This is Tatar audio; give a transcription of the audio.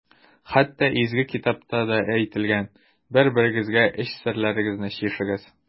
Хәтта Изге китапта да әйтелгән: «Бер-берегезгә эч серләрегезне чишегез».